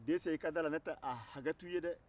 dɛsɛ i ka d'a la ne t'a hakɛ to i ye dɛ